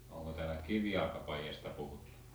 onko täällä kivijalkapaidasta puhuttu